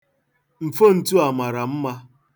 Mfontu a mara mma.